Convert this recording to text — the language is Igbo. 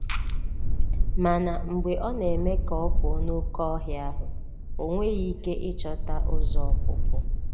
Mana, mgbe ọ na-eme ka ọ pụọ n'oke ọhịa ahụ, o nweghi ike ịchọta ụzọ ọpụpụ.